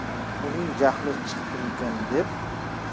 uning jahli chiqdimikin